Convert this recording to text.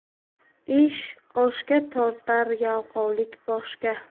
ish oshga tortar yalqovlik boshga